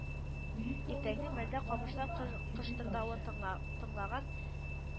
Иртәнге мәлдә камышлар кыж кыштырдавын тыңла тыңлаган